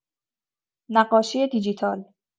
نقاشی دیجیتال